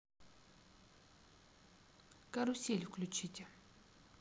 карусель включите